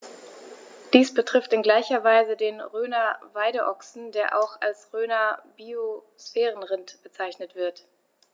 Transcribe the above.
Dies betrifft in gleicher Weise den Rhöner Weideochsen, der auch als Rhöner Biosphärenrind bezeichnet wird.